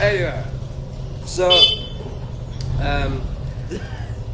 Eniwê... so yym...